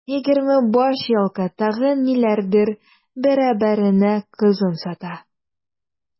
Егерме баш елкы, тагын ниләрдер бәрабәренә кызын сата.